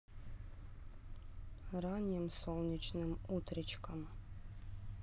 ранним солнечным утречком